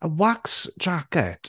A wax jacket.